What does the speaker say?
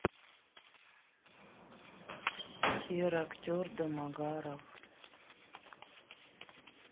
сбер актер домогаров